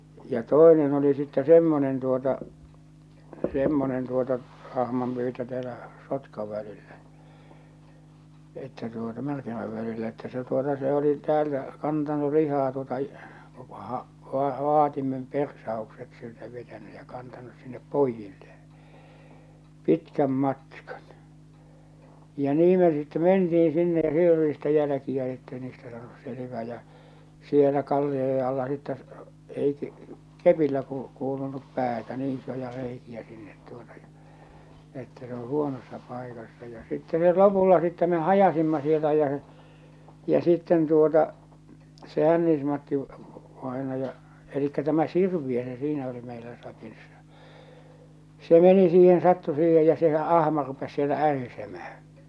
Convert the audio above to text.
ja toinen oli sitten semmoinen tuota semmoinen tuota ahmanpyytö täällä Sotkan välillä että tuota Märkimän välillä että se tuota se oli täältä kantanut lihaa tuota --- vaatimen persaukset siltä vetänyt ja kantanut sinne pojilleen pitkän matkan ja niin me sitten mentiin sinne ja siellä oli sitten jälkiä että ei niistä saanut selvää ja siellä kallioiden alla sitten ei kepillä - kuulunut päätä niin isoja reikiä sinne tuota ja me että se on huonossa paikassa ja sitten me lopulla sitten me hajasimme sieltä ja se ja sitten tuota se Hännis-Matti vainaja eli tämä Sirviö se siinä oli meillä sakissa se meni siihen sattui siihen ja sehän ahma rupesi siellä ärisemään